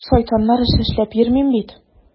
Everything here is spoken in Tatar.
Шайтаннар эше эшләп йөрим бит!